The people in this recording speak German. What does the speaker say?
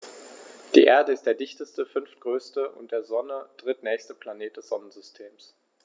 Die Erde ist der dichteste, fünftgrößte und der Sonne drittnächste Planet des Sonnensystems.